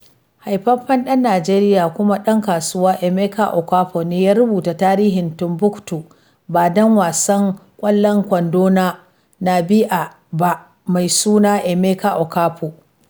Haifaffen ɗan Nijeriya kuma ɗan kasuwa, Emeka Okafor ne ya rubuta Tarihin Tumbuktu, ba ɗan wasan ƙwallon kwando na NBA ba mai suna Emeka Okafor.